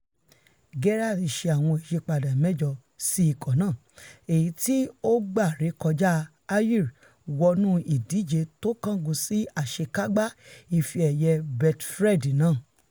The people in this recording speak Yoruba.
Gerrard ṣe àwọn ìyípadà mẹ́jọ sí ikọ̀ náà èyití ó gbá rekọjá Ayr wọnú ìdíje tó kángun sí àṣèkágbá Ife-ẹ̀yẹ Betfred náà.